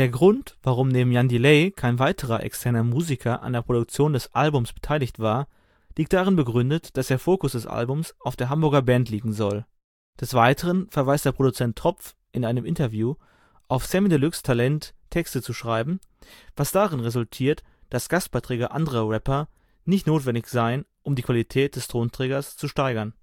Grund, warum neben Jan Delay kein weiterer externer Musiker an der Produktion des Albums beteiligt war, liegt darin begründet, dass der Fokus des Albums auf der Hamburger Band liegen soll. Des Weiteren verweist der Produzent Tropf in einem Interview auf Samy Deluxe’ Talent Texte zu schreiben, was darin resultiert, dass Gastbeiträge anderer Rapper nicht notwendig seien, um die Qualität des Tonträgers zu steigern